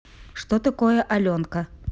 что такое аленка